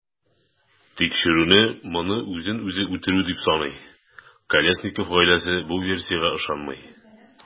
Тикшеренү моны үзен-үзе үтерү дип саный, Колесников гаиләсе бу версиягә ышанмый.